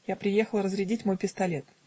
я приехал разрядить мой пистолет